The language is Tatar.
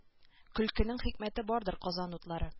Көлкенең хикмәте бардыр казан утлары